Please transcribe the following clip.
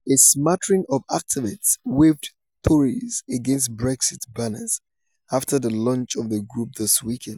A smattering of activists waved Tories Against Brexit banners after the launch of the group this weekend.